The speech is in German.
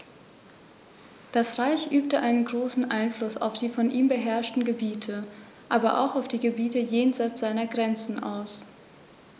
Das Reich übte einen großen Einfluss auf die von ihm beherrschten Gebiete, aber auch auf die Gebiete jenseits seiner Grenzen aus.